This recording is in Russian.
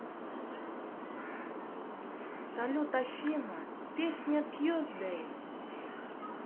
салют афина песня tuesday